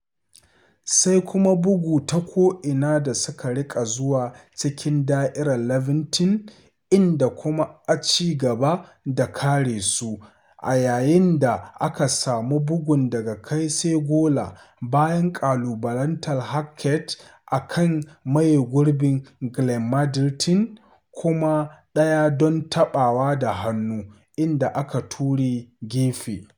Sai kuma bugu ta ko’ina da suka riƙa zuwa cikin da'irar Livingston inda kuma a ci gaba da karesu, a yayin da aka samu bugun daga kai sai gola - bayan ƙalubalantar Halkett a kan maye gurbin Glenn Middleton, kuma ɗaya don taɓawa da hannu - inda aka ture gefe.